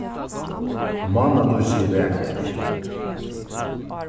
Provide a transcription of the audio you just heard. mánalýsi er vakurt